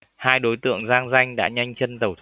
hai đối tượng giang danh đã nhanh chân tẩu